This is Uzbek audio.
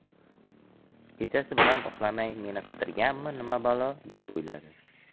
kechasi bilan uxlamay meni qidirganmi nima balo deb o'yladi